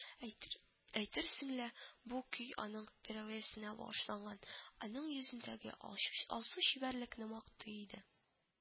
Әйтер әйтерсең лә бу көй аның фирәвиясенә багышланган, аның йөзендәге алчу алсу чибәрлекне мактый иде